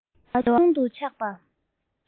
བདེ བ ཆུང ངུ ཆགས པ